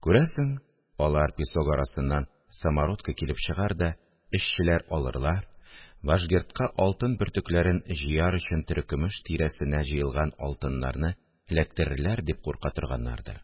Күрәсең, алар песок арасыннан самородкы килеп чыгар да эшчеләр алырлар, вашгердка алтын бөртекләрен җыяр өчен терекөмеш тирәсенә җыелган алтыннарны эләктерерләр дип курка торганнардыр